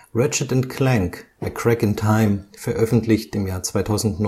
Ratchet & Clank: A Crack in Time (PlayStation 3, 2009